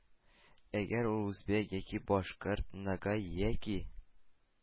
Әгәр ул үзбәк яки башкорт, ногай яки